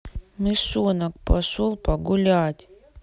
мышонок пошел погулять